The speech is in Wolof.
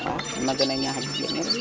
waaw ma gën a ñaax jigéen ñi